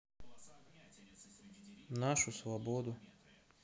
нашу свободу